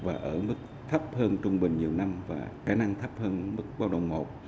và ở mức thấp hơn trung bình nhiều năm và khả năng thấp hơn mức báo động một